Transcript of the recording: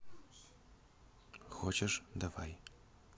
хочешь давай